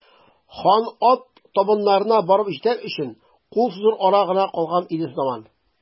Хан ат табыннарына барып җитәр өчен кул сузыр ара гына калган иде сыман.